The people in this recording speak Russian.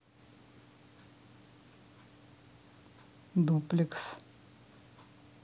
дуплекс